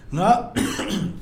Nka